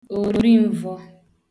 ori mvọ̄